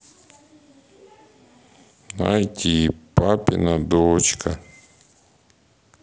найти папина дочка